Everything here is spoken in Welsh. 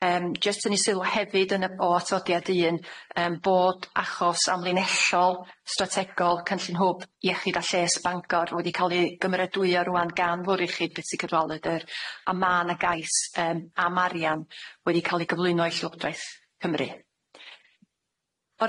Yym jyst tynnu sylw hefyd yn y o atodiad un yym bod achos amlinellol, strategol cynllun hwb iechyd a lles Bangor wedi ca'l 'i gymrydwyo rŵan gan Fwrdd Iechyd Betsi Cadwaladr a ma' 'na gais yym am arian wedi ca'l 'i gyflwyno i Llywodraeth Cymru.